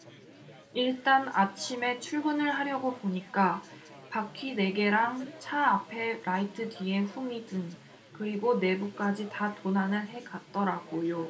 일단 아침에 출근을 하려고 보니까 바퀴 네 개랑 차 앞에 라이트 뒤에 후미등 그리고 내부까지 다 도난을 해 갔더라고요